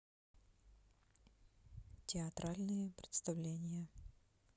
театральные представления